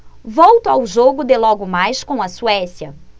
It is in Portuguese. volto ao jogo de logo mais com a suécia